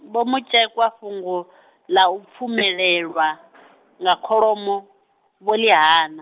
Vho Mutshekwa fhungo, ḽa u pfumelelwa nga kholomo, vho ḽi hana.